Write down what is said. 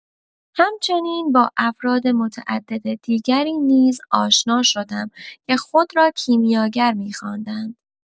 هم‌چنین با افراد متعدد دیگری نیز آشنا شدم که خود را کیمیاگر می‌خواندند.